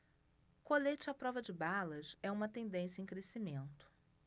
colete à prova de balas é uma tendência em crescimento